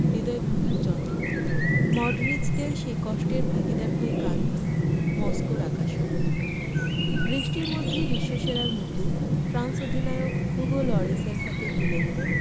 হৃদয় ভাঙার যন্ত্রণা মডরিচদের সেই কষ্টের ভাগিদার হয়ে কাঁদল মস্কোর আকাশও বৃষ্টির মধ্যেই বিশ্বসেরার মুকুট ফ্রান্স অধিনায়ক হুগো লরিসের হাতে তুলে দিলেন